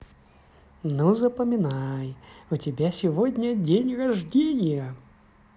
ну запоминай у тебя сегодня день рождения